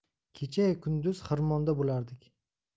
kechayu kunduz xirmonda bo'lardik